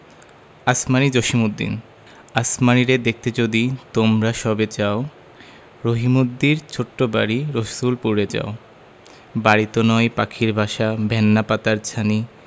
আসমানী জসিমউদ্দিন আসমানীরে দেখতে যদি তোমরা সবে চাও রহিমদ্দির ছোট্ট বাড়ি রসুলপুরে যাও বাড়িতো নয় পাখির বাসা ভেন্না পাতার ছানি